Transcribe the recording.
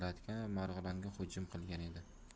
talatgan va marg'ilonga hujum qilgan edi